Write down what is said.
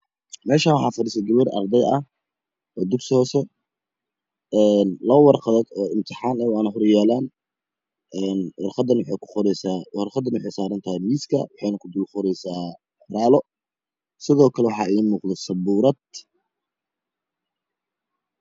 Halkan waa fasal wax joogo labo gabdhod dharka kalarka ey watan waa baluug waa mesh yalo mis kalar kisi waa jale waa saran buug